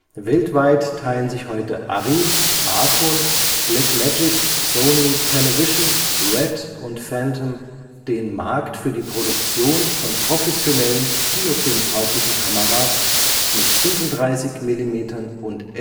Weltweit teilen sich heute Arri, Aaton, Blackmagic, Sony, Panavision, RED und Phantom den Markt für die Produktion von professionellen kinofilmtauglichen Kameras mit 35 mm und